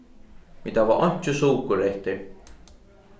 vit hava einki sukur eftir